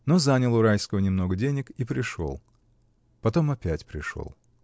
Но занял у Райского немного денег и пришел. Потом опять пришел.